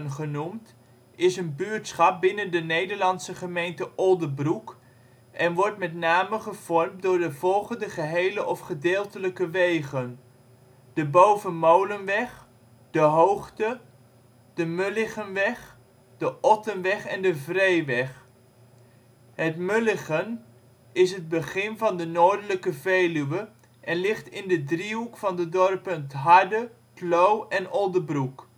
genoemd, is een buurtschap binnen de Nederlandse gemeente Oldebroek en wordt met name gevormd door de volgende gehele of gedeeltelijke wegen: Bovenmolenweg, De Hoogte, Mulligenweg, Ottenweg en Vreeweg. Het Mullegen is het begin van de noordelijke Veluwe en ligt in de driehoek van de dorpen ' t Harde, ' t Loo en Oldebroek